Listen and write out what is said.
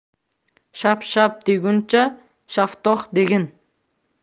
shap shap deguncha shaftoh degin